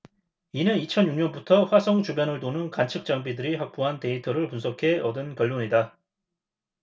이는 이천 육 년부터 화성 주변을 도는 관측 장비들이 확보한 데이터를 분석해 얻은 결론이다